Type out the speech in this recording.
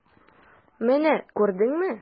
Менә күрдеңме?